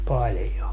paljon